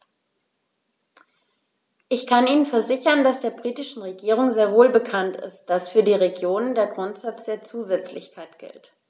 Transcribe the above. Ich kann Ihnen versichern, dass der britischen Regierung sehr wohl bekannt ist, dass für die Regionen der Grundsatz der Zusätzlichkeit gilt.